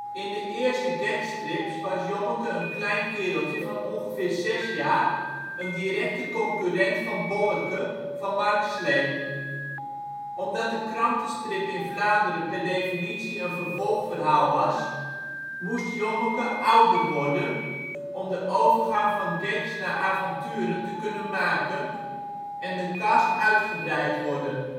In de eerste gagstrips was Jommeke een klein kereltje van ongeveer zes jaar, een directe concurrent van Bolleke van Marc Sleen. Omdat de krantenstrip in Vlaanderen per definitie een vervolgverhaal was, moest Jommeke ouder worden (om de overgang van gags naar avonturen te kunnen maken) en de cast uitgebreid worden